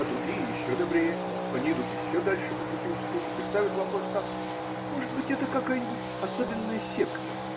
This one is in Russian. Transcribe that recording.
Другие еще добрее, они идут еще дальше по пути уступок и ставят вопрос так: Может быть, это какая-нибудь особенная секта?